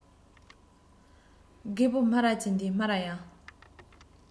རྒད པོ སྨ ར ཅན དེས སྨ ར ཡང